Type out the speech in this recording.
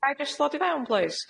Ga i jyst ddod i fewn plîs?